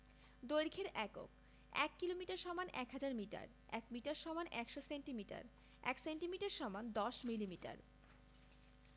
দৈর্ঘ্যের এককঃ ১ kilometre = ১০০০ metre ১ metre = ১০০ centimetre ১ centimetre = ১০ millimetre